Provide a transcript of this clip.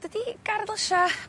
dydi gardd lysia...